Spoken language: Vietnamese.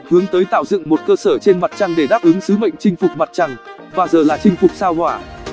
hướng tới tạo dựng một cơ sở trên mặt trăng để đáp ứng sứ mệnh chinh phục mặt trăng và giờ là chinh phục sao hỏa